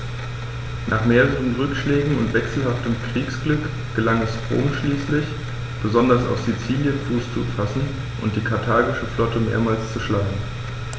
Nach mehreren Rückschlägen und wechselhaftem Kriegsglück gelang es Rom schließlich, besonders auf Sizilien Fuß zu fassen und die karthagische Flotte mehrmals zu schlagen.